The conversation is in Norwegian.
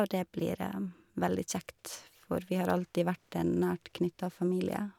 Og det blir veldig kjekt, for vi har alltid vært en nært knytta familie.